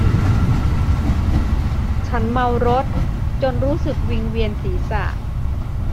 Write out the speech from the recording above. ฉันเมารถจนรู้สึกวิงเวียนศีรษะ